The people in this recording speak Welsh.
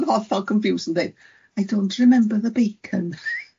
o'n hollol conffiwsd yn deud, I don't rimembyr ddy beicyn..